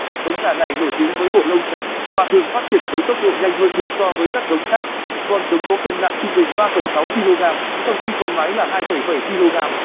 giống gà này nổi tiếng với bộ lông trắng và thường phát triển với tốc độ nhanh hơn nhiều so với các giống khác con trống có cân nặng trung bình kg trong khi con mái là kg